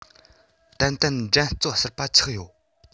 ཏན ཏན འགྲན རྩོད གསར པ ཆགས ཡོད